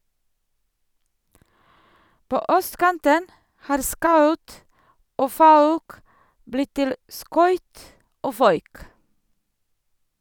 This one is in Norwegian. På østkanten har "skaut" og "fauk" blitt til "skøyt" og "føyk".